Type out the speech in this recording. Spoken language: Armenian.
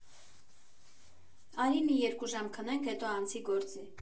«Արի մի երկու ժամ քնենք, հետո անցի գործի»։